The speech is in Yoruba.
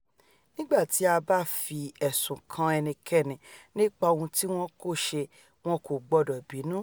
nígbà tí a báfi ẹ̀sùn kan ẹnìkan nípa ohun tí wọn kòṣe, wọn kò gbọdọ̀ bínú.